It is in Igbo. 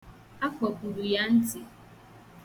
A kpọpuru ya ntị.